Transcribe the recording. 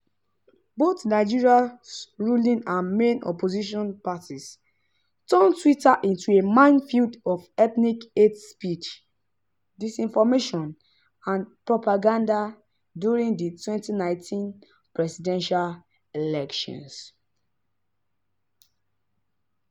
Both Nigeria's ruling and main opposition parties turned Twitter into a minefield of ethnic hate speech, disinformation and propaganda during the 2019 presidential elections.